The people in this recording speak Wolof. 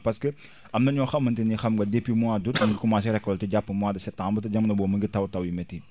parce que am na ñoo xamante ni xam nga depuis mois d' août la ñu commencé récolter jàpp mois bu septembre jamono boobu mu ngi taw taw yu métti